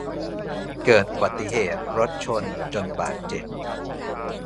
เกิดอุบัติเหตุรถชนจนบาดเจ็บ